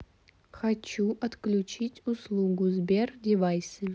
хочу отключить услугу сбер девайсы